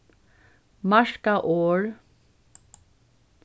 marka orð